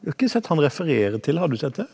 jeg har ikke sett han referere til, har du sett det?